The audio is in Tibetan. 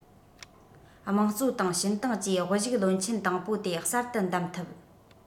དམངས གཙོ ཏང ཞིན ཏང བཅས དབུ བཞུགས བློན ཆེན དང པོ དེ གསར དུ བདམས ཐུབ